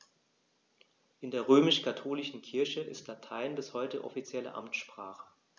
In der römisch-katholischen Kirche ist Latein bis heute offizielle Amtssprache.